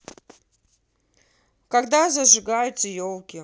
когда зажигаются елки